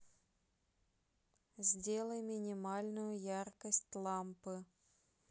сделай минимальную яркость лампы